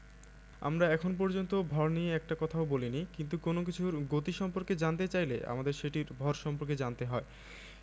আমরা এখন পর্যন্ত ভর নিয়ে একটি কথাও বলিনি কিন্তু কোনো কিছুর গতি সম্পর্কে জানতে চাইলে আমাদের সেটির ভর সম্পর্কে জানতে হয়